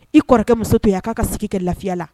I kɔrɔkɛ muso to yen, a k'a ka sigi kɛ lafiya la.